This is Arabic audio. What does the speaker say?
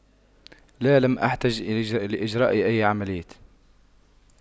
لا لم أحتج لإجراء أي عملية